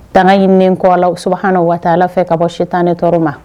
Tanga ɲinilen kɔ Allahou Soubhana wa ta Ala fɛ ka bɔ sitana tɔɔrɔ ma.